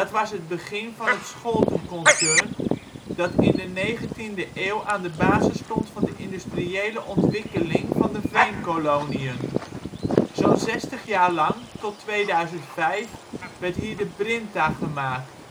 was het begin van het Scholten-concern, dat in de negentiende eeuw aan de basis stond van de industriële ontwikkeling van de Veenkoloniën. Zo 'n zestig jaar lang, tot 2005, werd hier de Brinta gemaakt